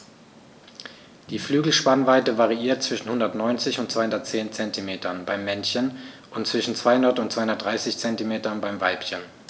Die Flügelspannweite variiert zwischen 190 und 210 cm beim Männchen und zwischen 200 und 230 cm beim Weibchen.